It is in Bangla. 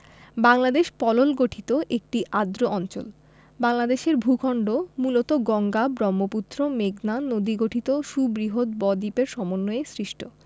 বাংলদেশ পলল গঠিত একটি আর্দ্র অঞ্চল বাংলাদেশের ভূখন্ড মূলত গঙ্গা ব্রহ্মপুত্র মেঘনা নদীগঠিত সুবৃহৎ বদ্বীপের সমন্বয়ে সৃষ্ট